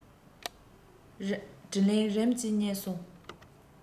དྲིས ལན རིམ གྱིས རྙེད སོང